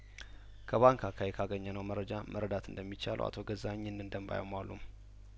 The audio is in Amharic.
ከባንክ አካባቢ ካገኘ ነው መረጃ መረዳት እንደሚቻለው አቶ ገዛኸኝ ይኸንን ደንብ አያሟሉም